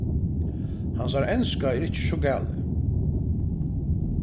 hansara enska er ikki so galið